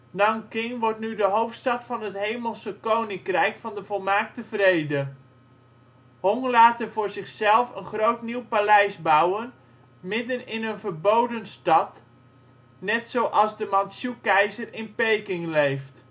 Nanking wordt nu de hoofdstad van het Hemelse Koninkrijk van de Volmaakte Vrede. Hong laat er voor zichzelf een groot nieuw paleis bouwen, midden in een Verboden Stad; net zoals de de Mantsjoe-keizer in Peking leeft